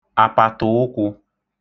àpàtụ̀ụkwụ̄